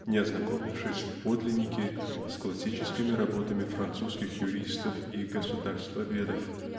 не ознакомившись в подлиннике с классическими работами французских юристов и государствоведов